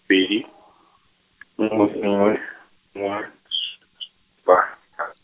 pedi, nngwe nngwe, nngwe, s- s- -pa, hl-.